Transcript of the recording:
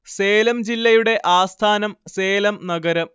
സേലം ജില്ലയുടെ ആസ്ഥാനം സേലം നഗരം